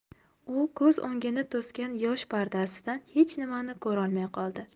u ko'z o'ngini to'sgan yosh pardasidan hech nimani ko'rolmay qoldi